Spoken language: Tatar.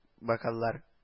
Окаллар